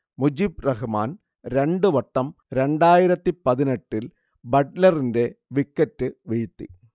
മുജീബ് റഹ്മാൻ രണ്ട് വട്ടം രണ്ടായിരത്തിപ്പതിനെട്ടില്‍ ബട്ട്ലറിന്റെ വിക്കറ്റ് വീഴ്ത്തി